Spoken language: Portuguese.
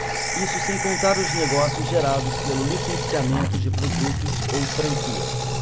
isso sem contar os negócios gerados pelo licenciamento de produtos ou franquias